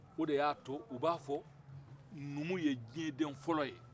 o de y'a to u b'a fɔ ko numu ye jiɲɛ de fɔlɔ ye